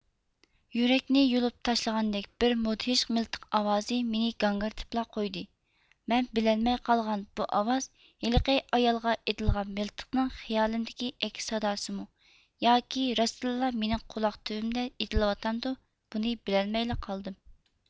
يۈرەكنى يۇلۇپ تاشلىغاندەك بىر مۇدھىش مىلتىق ئاۋازى مېنى گاڭگىرىتىپلا قويدى مەن بىلەلمەي قالغان بۇ ئاۋاز ھېلىقى ئايالغا ئېتىلغان مىلتىقنىڭ خىيالىمدىكى ئەكس ساداسىمۇ ياكى راستىنلا مېنىڭ قۇلاق تۈۋۈمدە ئېتىلىۋاتامدۇ بۇنى بىلەلمەيلا قالدىم